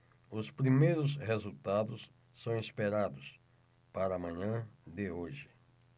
os primeiros resultados são esperados para a manhã de hoje